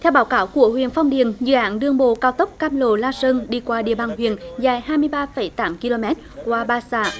theo báo cáo của huyện phong điền dự án đường bộ cao tốc cam lộ la sơn đi qua địa bàn huyện dài hai mươi ba phẩy tám ki lô mét qua ba xã